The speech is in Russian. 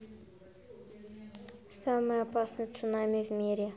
самый опасный цунами в мире